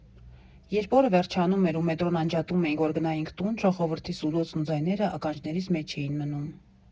Երբ օրը վերջանում էր ու մետրոն անջատում էինք, որ գնայինք տուն, ժողովրդի սուլոցն ու ձայները ականջներիս մեջ էին մնում։